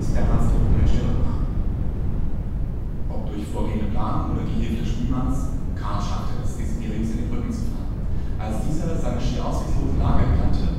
Bernhards Truppen in Stellung waren. Ob durch vorgehende Planung oder die Hilfe des Spielmanns; Karl schaffte es, Desiderius in den Rücken zu fallen. Als dieser seine schier ausweglose Lage erkannte